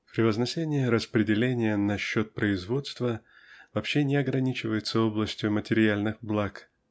Превознесение распределения насчет производства вообще не ограничивается областью материальных благ